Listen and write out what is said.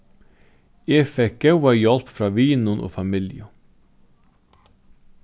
eg fekk góða hjálp frá vinum og familju